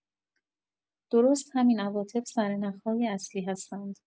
درست همین عواطف سرنخ‌های اصلی هستند.